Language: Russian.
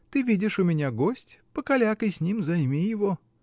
Ты видишь, у меня гость: покалякай с ним, займи его.